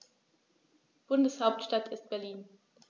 Bundeshauptstadt ist Berlin.